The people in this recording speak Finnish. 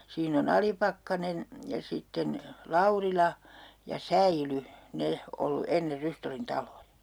siinä on Alipakkanen ja sitten Laurila ja Säily ne ollut ennen Rystollin taloja